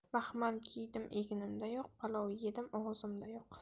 baxmal kiydim egnimda yo'q palov yedim og'zimda yo'q